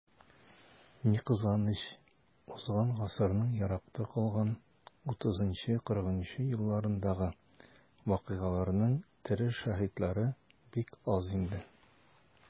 Ни кызганыч, узган гасырның еракта калган 30-40 нчы елларындагы вакыйгаларның тере шаһитлары бик аз инде.